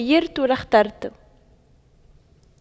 لو خُيِّرْتُ لاخترت